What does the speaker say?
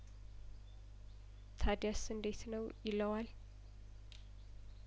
ታዲያስ እንዴት ነው ይለዋል